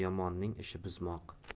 yomonning ishi buzmoq